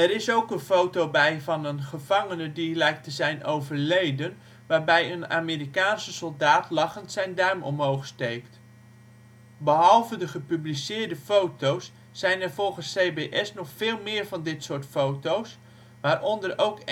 is ook een foto van een gevangene die lijkt te zijn overleden, waarbij een Amerikaanse soldaat lachend zijn duim omhoog steekt. Behalve de gepubliceerde foto 's zijn er volgens CBS nog veel meer van dit soort foto 's, waaronder ook